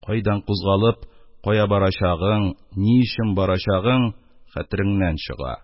Кайдан кузгалганың, кая барачагың, ни өчен барачагың — хәтереңнән чыга